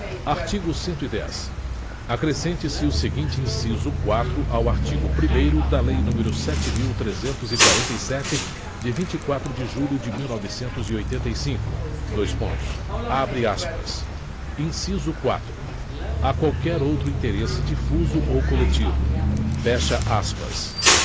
artigo cento e dez acrescente se o seguinte inciso quatro ao artigo primeiro da lei número sete mil trezentos e quarenta e sete de vinte e quatro de julho de mil novecentos e oitenta e cinco dois pontos abre aspas inciso quatro a qualquer outro interesse difuso ou coletivo fecha aspas